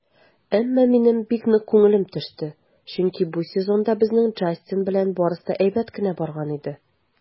Әмма минем бик нык күңелем төште, чөнки бу сезонда безнең Джастин белән барысы да әйбәт кенә барган иде.